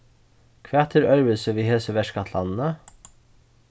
hvat er øðrvísi við hesi verkætlanini